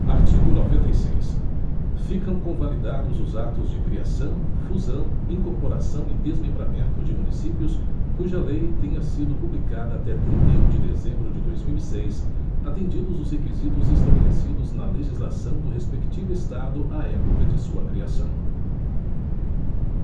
artigo noventa e seis ficam convalidados os atos de criação fusão incorporação e desmembramento de municípios cuja lei tenha sido publicada até trinta e um de dezembro de dois mil e seis atendidos os requisitos estabelecidos na legislação do respectivo estado à época de sua criação